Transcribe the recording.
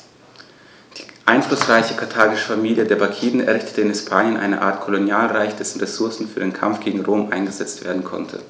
Die einflussreiche karthagische Familie der Barkiden errichtete in Hispanien eine Art Kolonialreich, dessen Ressourcen für den Kampf gegen Rom eingesetzt werden konnten.